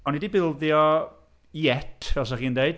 O'n i 'di bildio iet, fel 'sech chi'n deud.